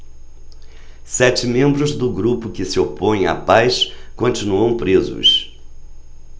sete membros do grupo que se opõe à paz continuam presos